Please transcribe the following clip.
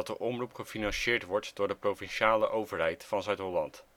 omroep gefinancierd wordt door de provinciale overheid (Zuid-Holland